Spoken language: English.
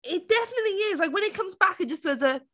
It definitely is like when it comes back it just does a...